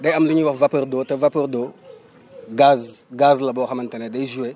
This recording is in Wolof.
day am lu ñuy wax vapeur d' eau te vapeur d' eau gaz gaz la boo xamante ne day joué